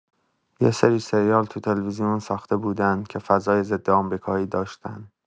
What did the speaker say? یه سری سریال تو تلویزیون ساخته بودن که فضای ضدآمریکایی داشتن.